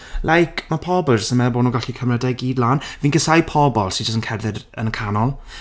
Like, ma' pobl jyst yn meddwl bod nhw'n gallu cymryd e gyd lan. Fi'n casau pobl sydd jyst yn cerdded yn y canol.